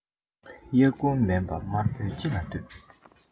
དབྱར དགུན མེད པ དམར པོའི ལྕེ ལ ལྟོས